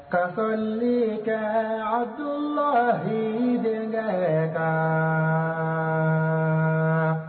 Ka sɔli kɛɛ Adulahi denkɛ kaaaaaan